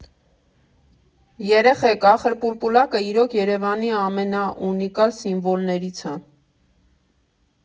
Երեխեք, ախր պուլպուլակը իրոք Երևանի ամենաունիկալ սիմվոլներից ա։